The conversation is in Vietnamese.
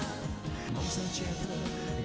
trẻ thơ